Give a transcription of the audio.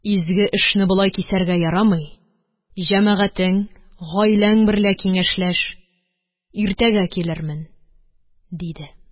Изге эшне болай кисәргә ярамый, җәмәгатең, гаиләң берлә киңәшләш, иртәгә килермен, – диде.